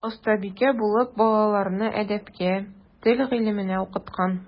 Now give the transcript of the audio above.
Остабикә булып балаларны әдәпкә, тел гыйлеменә укыткан.